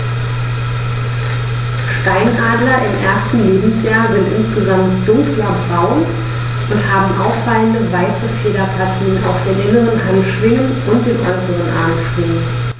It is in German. Steinadler im ersten Lebensjahr sind insgesamt dunkler braun und haben auffallende, weiße Federpartien auf den inneren Handschwingen und den äußeren Armschwingen.